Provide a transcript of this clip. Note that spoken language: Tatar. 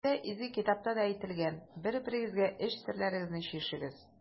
Хәтта Изге китапта да әйтелгән: «Бер-берегезгә эч серләрегезне чишегез».